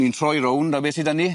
Ni'n troi rownd o beth sy 'dyn ni?